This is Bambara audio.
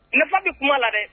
Nafa be kuma la dɛ